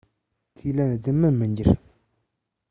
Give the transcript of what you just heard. ཁས ལེན རྫུན མར མི འགྱུར